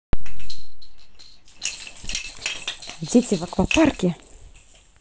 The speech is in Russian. дети в аквапарке